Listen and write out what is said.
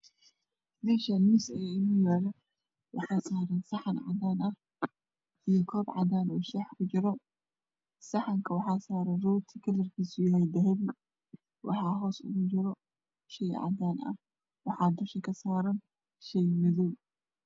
Meshan waxaa inoo yala mis waxaa saran saxan cadan ah iyo kob cadsn ah oo shax ku jiro saxanka waxaa saran rodi kalarkisu yahay dahabi